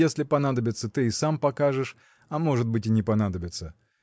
если понадобится, ты и сам покажешь, а может быть, и не понадобится.